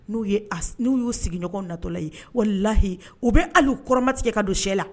N'u n'u y'u sigiɲɔgɔn natɔla ye walima lahiyi u bɛ hali u kɔrɔmatigɛ ka don sɛ la